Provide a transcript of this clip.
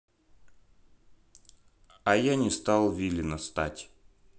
а я не стал виллина стать